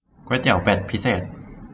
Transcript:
ก๋วยเตี๋ยวเป็ดพิเศษ